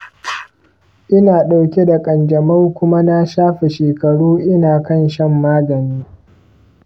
ina ɗauke da ƙanjamau kuma na shafe shekaru ina kan shan magani.